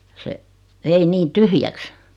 se vei niin tyhjäksi